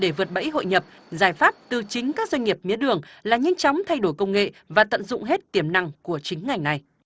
để vượt bẫy hội nhập giải pháp từ chính các doanh nghiệp mía đường là nhanh chóng thay đổi công nghệ và tận dụng hết tiềm năng của chính ngành này